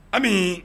Ami